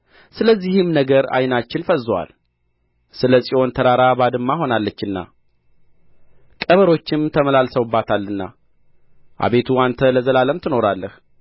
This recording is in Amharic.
ስለዚህም ነገር ዓይናችን ፈዝዞአል ስለ ጽዮን ተራራ ባድማ ሆናለችና ቀበሮችም ተመላልሰውባታልና አቤቱ አንተ ለዘላለም ትኖራለህ